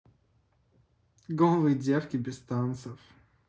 голые девки без танцев